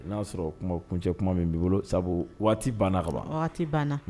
N' y'a sɔrɔ kuma kuncɛ kuma min' bolo sabu waati banna kaban banna